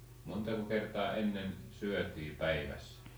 montako kertaa ennen syötiin päivässä